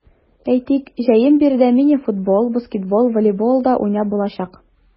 Әйтик, җәен биредә мини-футбол, баскетбол, волейбол да уйнап булачак.